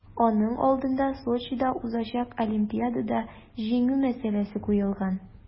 Аның алдына Сочида узачак Олимпиадада җиңү мәсьәләсе куелган.